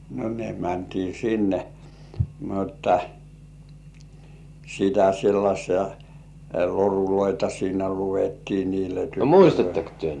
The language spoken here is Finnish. no ne mentiin sinne mutta sitä sellaisia loruja siinä luettiin niille tytöille